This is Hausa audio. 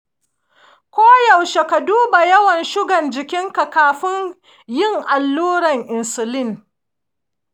ko yaushe ka duba yawan sugan jininka kafin yin allurar insulin.